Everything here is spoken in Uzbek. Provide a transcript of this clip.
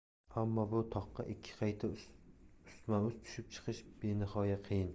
ammo bu toqqa ikki qayta ustma ust tushib chiqish benihoya qiyin